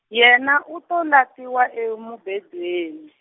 yena u to latiwa emubedweni.